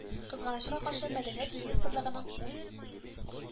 Кызганычка каршы, Мәдәният министрлыгының үз